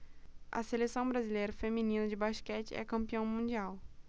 a seleção brasileira feminina de basquete é campeã mundial